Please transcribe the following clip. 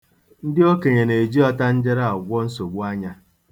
Ndị okenye na-eji ọtanjele agwọ nsogbu anya.